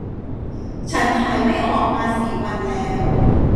ฉันถ่ายไม่ออกมาสี่วันแล้ว